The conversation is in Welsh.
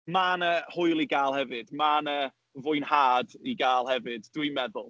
Ma' 'na hwyl i gael hefyd, ma' 'na fwynhad i gael hefyd, dwi'n meddwl.